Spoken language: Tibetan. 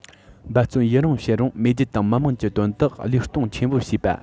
འབད བརྩོན ཡུན རིང བྱེད རིང མེས རྒྱལ དང མི དམངས ཀྱི དོན དུ བློས གཏོང ཆེན པོ བྱས པ